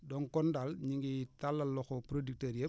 donc kon daal ñu ngi tallal loxo producteurs yëpp